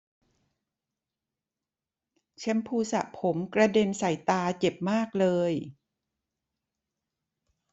แชมพูสระผมกระเด็นใส่ตาเจ็บมากเลย